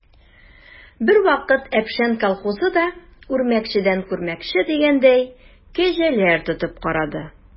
Бервакыт «Әпшән» колхозы да, үрмәкчедән күрмәкче дигәндәй, кәҗәләр тотып карады.